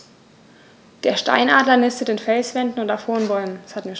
Der Steinadler nistet in Felswänden und auf hohen Bäumen.